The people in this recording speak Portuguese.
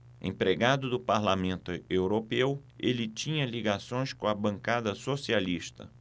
empregado do parlamento europeu ele tinha ligações com a bancada socialista